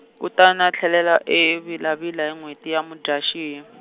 kutani a tlhelela eVila-Vila hi n'hweti ya Mudyaxihi .